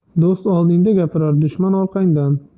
do'st oldingda gapirar dushman orqangdan